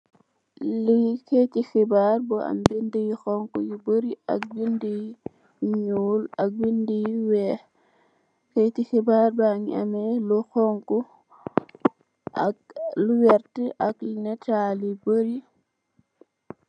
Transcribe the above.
Li keyti xibaar bu am binda yu bari ak binda yu nuul ak binda yu weex keyti xibaar bagi ame lu werta ak netal yu bari.